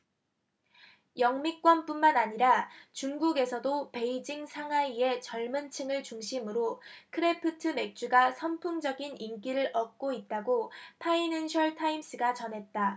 영미권뿐만 아니라 중국에서도 베이징 상하이의 젊은층을 중심으로 크래프트 맥주가 선풍적인 인기를 얻고 있다고 파이낸셜타임스가 전했다